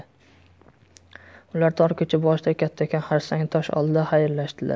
ular tor ko'cha boshidagi kattakon xarsangtosh oldida xayrlashdilar